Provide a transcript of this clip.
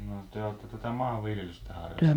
no te olette tätä maanviljelystä harrastanut